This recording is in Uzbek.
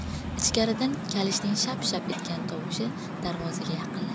ichkaridan kalishning shap shap etgan tovushi darvozaga yaqinlashdi